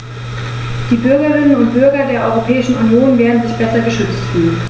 Die Bürgerinnen und Bürger der Europäischen Union werden sich besser geschützt fühlen.